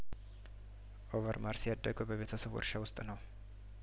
ኦቨር ማርሴ ያደገው በቤተሰቡ እርሻ ውስጥ ነው